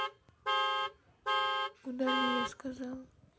удали я сказал